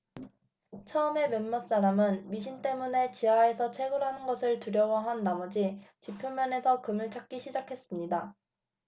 처음에 몇몇 사람은 미신 때문에 지하에서 채굴하는 것을 두려워한 나머지 지표면에서 금을 찾기 시작했습니다